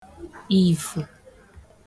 ìvù